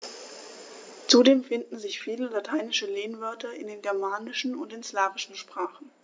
Zudem finden sich viele lateinische Lehnwörter in den germanischen und den slawischen Sprachen.